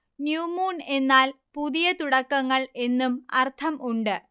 new moon എന്നാൽ പുതിയ തുടക്കങ്ങൾ എന്നും അര്ഥം ഉണ്ട്